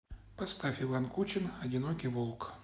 поставь иван кучин одинокий волк